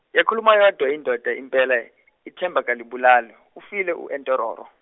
yakhuluma yodwa indoda impela, ithemba kalibulali, ufile u Entororo.